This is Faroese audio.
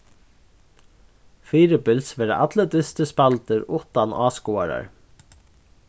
fyribils verða allir dystir spældir uttan áskoðarar